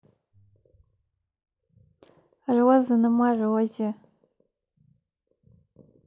розы на морозе